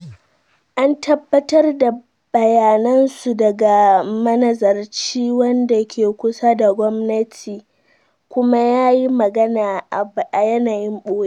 an tabbatar da bayanansu daga manazarci wanda ke kusa da gwamnati kuma yayi magana a yanayin boye.